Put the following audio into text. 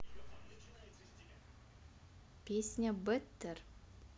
песня better